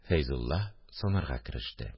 Фәйзулла санарга кереште